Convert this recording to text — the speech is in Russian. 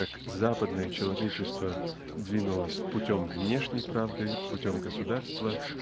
как "западное человечество" двинулось "путем внешней правды путем государства"